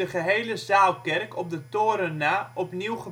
gehele zaalkerk op de toren na opnieuw